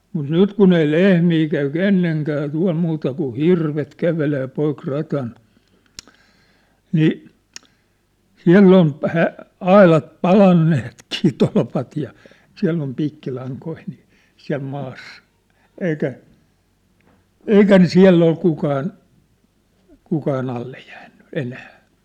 mutta nyt kun ei lehmiä käy kenenkään tuolla muuta kuin hirvet kävelee poikki radan niin siellä on - aidat palaneetkin tolpat ja siellä on piikkilankoja niin siellä maassa eikä eikä ne siellä ole kukaan kukaan alle jäänyt enää